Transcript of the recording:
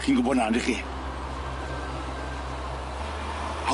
Chi'n gwybod na ondychi?